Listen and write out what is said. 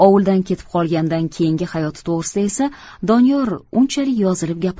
ovuldan ketib qolganidan keyingi hayoti to'g'risida esa doniyor unchalik yozilib